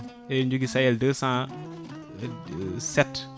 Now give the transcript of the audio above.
eɗen joogui Sayel207